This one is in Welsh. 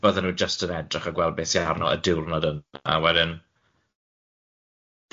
Byddan nw jyst yn edrych a gweld be sy arno y diwrnod yna a wedyn .